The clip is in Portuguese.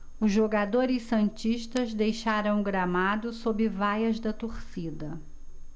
os jogadores santistas deixaram o gramado sob vaias da torcida